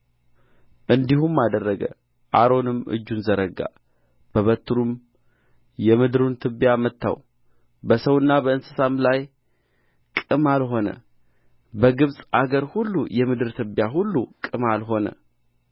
እንዲሁም አደረጉ አሮንም እጁን ዘረጋ በበትሩም የምድሩን ትቢያ መታው በሰውና በእንስሳም ላይ ቅማል ሆነ በግብፅ አገር ሁሉ የምድር ትቢያ ሁሉ ቅማል ሆነ